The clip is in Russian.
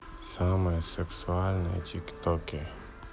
самые сексуальные тик токи